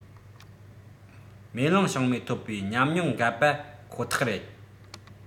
མེ གླིང བྱང མའི ཐོབ པའི ཉམས མྱོང འགའ པ ཁོ ཐག རེད